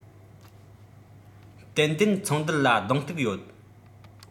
ཏན ཏན ཚོང དུད ལ གདོང གཏུག ཡོད